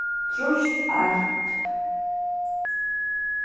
trýst eitt